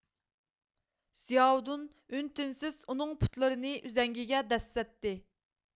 زىياۋۇدۇن ئۈن تىنسىز ئۇنىڭ پۇتلىرىنى ئۈزەڭگىگە دەسسەتتى